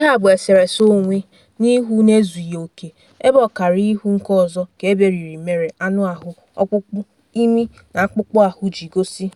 Ihe a bụ eserese onwe na ihu na-ezughi oke, ebe ọkara ihu nke ọzọ ka e beriri mere anụahụ, ọkpụkpụ, imi na akpụkpọ ahụ ji egosi.